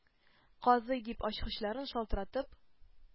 Казый!..-дип, ачкычларын шалтыратып,